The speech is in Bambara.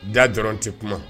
Da dɔrɔn ti kuma.